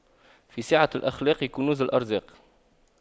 في سعة الأخلاق كنوز الأرزاق